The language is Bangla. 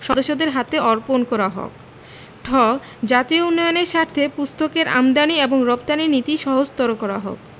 সদস্যদের হাতে অর্পণ করা হোক ঠ জাতীয় উন্নয়নের স্বার্থে পুস্তকের আমদানী ও রপ্তানী নীতি সহজতর করা হোক